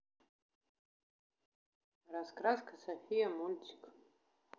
раскраска софия мультик